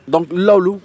donc loolu